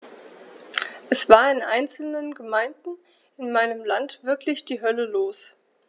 Es war in einzelnen Gemeinden in meinem Land wirklich die Hölle los.